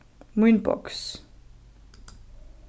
mínboks